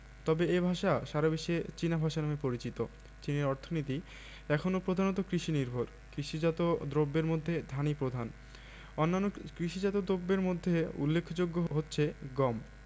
তবে এ ভাষা সারা বিশ্বে চীনা ভাষা নামে পরিচিত চীনের অর্থনীতি এখনো প্রধানত কৃষিনির্ভর কৃষিজাত দ্রব্যের মধ্যে ধানই প্রধান অন্যান্য কৃষিজাত দ্রব্যের মধ্যে উল্লেখযোগ্য হচ্ছে গম